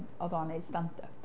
Oedd o'n wneud stand-up.